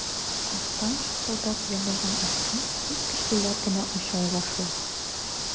Арттан шапылдап ябылган ишекне бик көчлеләр генә ача ала шул...